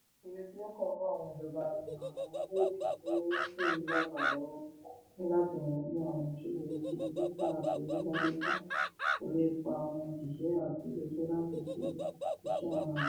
Ìpele tí ó kàn fún àwọn ìjọba ní àwọn orílẹ̀ èdè tí ó sì ń dàgbà lọ́wọ́ ni láti yanjú àwọn ìṣòro ògidì dátà àti wíwà dátà, pẹ̀lú ipá àwọn òṣìṣẹ́ àti ilé iṣẹ́ láti ṣe iṣẹ́ ọnà àti ìṣirò.